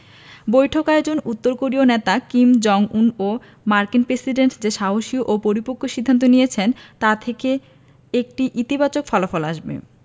বৈঠক আয়োজনে উত্তর কোরীয় নেতা কিম জং উন ও মার্কিন প্রেসিডেন্ট যে সাহসী ও পরিপক্ব সিদ্ধান্ত নিয়েছেন তা থেকে একটি ইতিবাচক ফলাফল আসবে